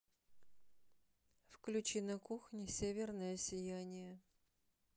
включи на кухне северное сияние